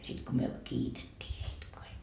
sitten kun me kiitettiin heitä kun he